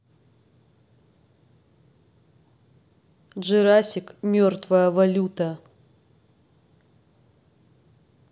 jurassic мертвая валюта